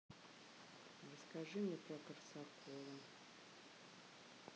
расскажи мне про корсакова